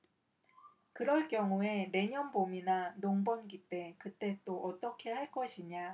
그럴 경우에 내년 봄이나 농번기 때 그때 또 어떻게 할 것이냐